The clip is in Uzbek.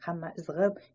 hamma izg'ib